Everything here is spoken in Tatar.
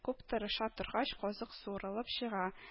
Күп тырыша торгач, казык суырылып чыга